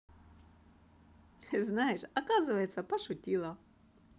знаешь оказывается пошутила